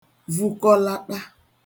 vukọlaṭa